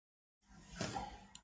har qush o'z uyasida erkin